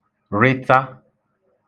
-rịta